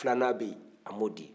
a denkɛ filanan bɛ yen a m'o di